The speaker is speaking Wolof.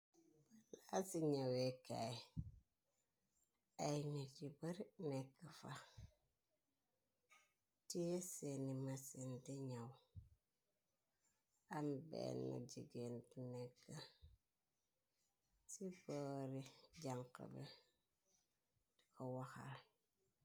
Paala ci ñyoweekaay ay nit yu bari nekk fax tier seeni masen di ñaw am benna jigéen nekk ci boore janqabi di ko waxal.